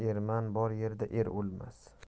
erman bor yerda er o'lmas